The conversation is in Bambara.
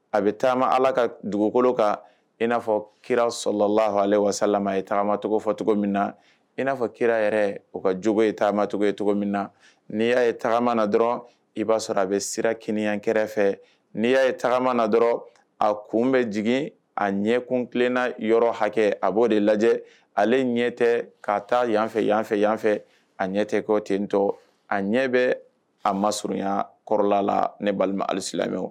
A bɛ taama ala ka dugukolo kan in n'a fɔ kira sɔrɔlala ale walasasala ye tagamacogo fɔcogo cogo min na i n'a fɔ kira yɛrɛ o ka jo ye tagamacogo ye cogo min na n'i y'a ye tagama na dɔrɔn i b'a sɔrɔ a bɛ sira k kɛrɛfɛ fɛ n'i y'a ye tagama na dɔrɔn a kun bɛ jigin a ɲɛkun tilenna yɔrɔ hakɛ a b'o de lajɛ ale ɲɛ tɛ ka taa yanfɛ yan fɛ yan fɛ a ɲɛ tɛ kɔ tentɔ a ɲɛ bɛ a ma surunya kɔrɔla la ne balima alisi lamɛn